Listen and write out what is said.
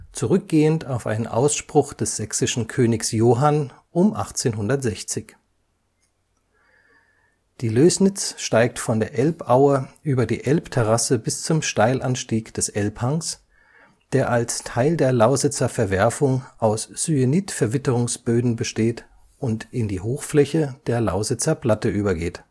zurückgehend auf einen Ausspruch des sächsischen Königs Johann um 1860. Die Lößnitz steigt von der Elbaue über die Elbterrasse bis zum Steilanstieg des Elbhangs, der als Teil der Lausitzer Verwerfung aus Syenitverwitterungsböden besteht und in die Hochfläche der Lausitzer Platte übergeht